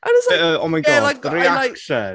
I was like... uh, uh, oh my God, the reaction.